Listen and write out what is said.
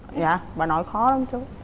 dạ bà nội khó lắm chú